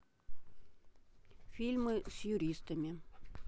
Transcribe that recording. фильмы с юристами